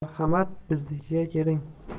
marhamat biznikiga keling